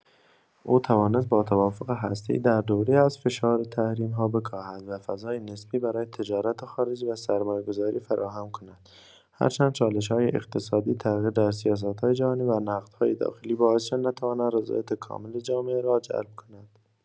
او توانست با توافق هسته‌ای در دوره‌ای از فشار تحریم‌ها بکاهد و فضای نسبی برای تجارت خارجی و سرمایه‌گذاری فراهم کند، هرچند چالش‌های اقتصادی، تغییر در سیاست‌های جهانی و نقدهای داخلی باعث شد نتواند رضایت کامل جامعه را جلب کند.